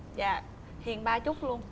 dạ hiền ba chút luôn